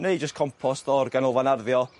neu jyst compost o'r ganolfan arddio